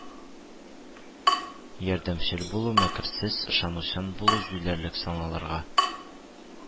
Ярдәмчел булу, мәкерсез, ышанучан булу җүләрлек саналырга